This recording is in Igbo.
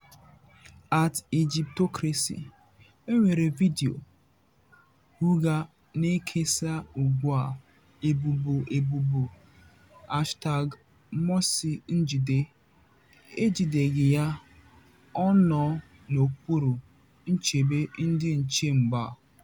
@Egyptocracy: Enwere vidiyo ụgha na-ekesa ugbu a ebubo ebubo "#Morsi njide", ejideghị ya, ọ nọ n'okpuru nchebe ndị nche mba.